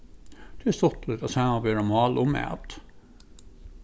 tað er stuttligt at samanbera mál og mat